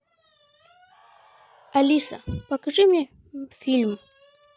алиса покажи мне фильм